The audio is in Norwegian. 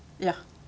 ja.